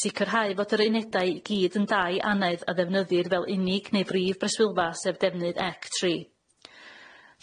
sicirhau fod yr unedau i gyd yn dai anedd a ddefnyddir fel unig neu brif breswylfa sef defnydd ec tri.